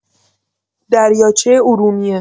دریاچه ارومیه